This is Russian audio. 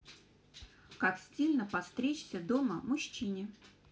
как стильно подстричься дома мужчине